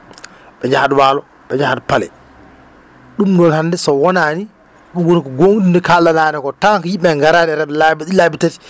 ɓe njahat waalo ɓe njahat pale ɗum noon hannde so wonaani ɗum woni ko gonɗinde ko kaalɗaa naane koo tawa ko yimɓe ɓe ngaraani laabi ɗiɗi laabi tati